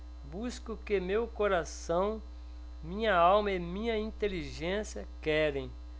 busco o que meu coração minha alma e minha inteligência querem